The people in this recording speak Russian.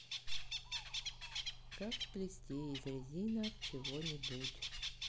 как сплести из резинок чего нибудь